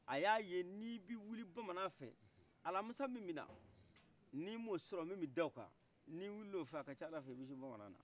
ay'a ye ni bi wili bamanan fɛ alamisa min bi kana ni m'o sɔrɔ min bi da o kan ni wili l'ofɛ a can ala fɛ ibi se bamananna